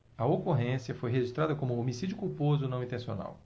a ocorrência foi registrada como homicídio culposo não intencional